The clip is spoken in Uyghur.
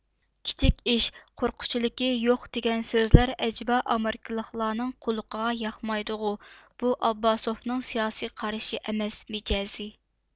كىچىك ئىش قورققۇچىلىكى يوق دېگەن سۆزلەر ئەجەبا ئامېرىكىلىكلارنىڭ قۇلىقىغا ياقمايدۇغۇ بۇ ئابباسۇفنىڭ سىياسىي قارىشى ئەمەس مىجەزى